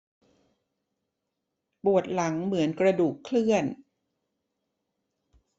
ปวดหลังเหมือนกระดูกเคลื่อน